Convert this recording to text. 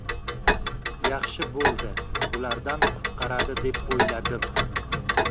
yaxshi bo'ldi bulardan qutqaradi deb o'yladim